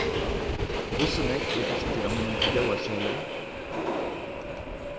hvussu nógv er eftir á mínum tilgóðarseðli